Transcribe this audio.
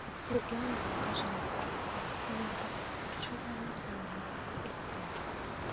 Безгә аның кыска җиңле сары футболка һәм лампаслы спорт чалбарына киенгән булуын әйттеләр.